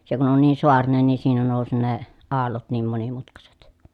se kun on niin saarinen niin siinä nousi ne aallot niin monimutkaiset